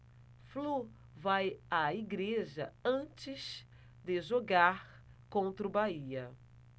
flu vai à igreja antes de jogar contra o bahia